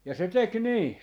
ja se teki niin